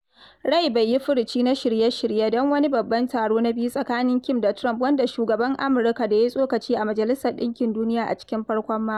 Ri bai yi furuci na shirye-shirye don wani babban taro na biyu tsakanin Kim da Trump wanda shugaban Amurka da ya tsokaci a Majalisar Ɗinkin Duniya a cikin farkon makon.